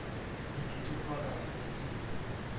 Институт благородных девиц